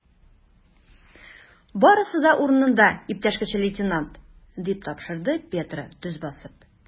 Барысы да урынында, иптәш кече лейтенант, - дип тапшырды Петро, төз басып.